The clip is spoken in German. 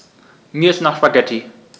Mir ist nach Spaghetti.